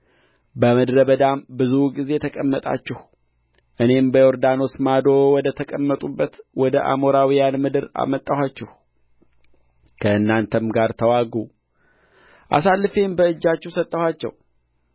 በምድረ በዳም ብዙ ጊዜ ተቀመጣችሁ እኔም በዮርዳኖስ ማዶ ወደ ተቀመጡበት ወደ አሞራውያን ምድር አመጣኋችሁ ከእናንተም ጋር ተዋጉ አሳልፌም በእጃችሁ ሰጠኋችሁ